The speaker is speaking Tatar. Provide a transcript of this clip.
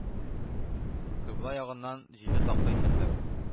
Кыйбла ягыннан җиде такта исәпләп,